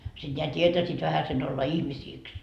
sitten nämä tietäisivät vähäsen olla ihmisiksi